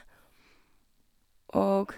Og...